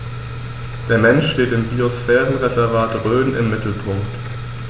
Der Mensch steht im Biosphärenreservat Rhön im Mittelpunkt.